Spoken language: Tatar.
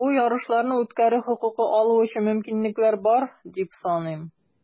Бу ярышларны үткәрү хокукы алу өчен мөмкинлекләр бар, дип саныйм.